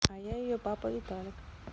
а я ее папа виталик